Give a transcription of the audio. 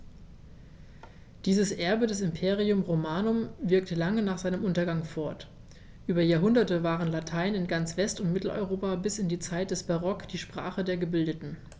Dieses Erbe des Imperium Romanum wirkte lange nach seinem Untergang fort: Über Jahrhunderte war Latein in ganz West- und Mitteleuropa bis in die Zeit des Barock die Sprache der Gebildeten.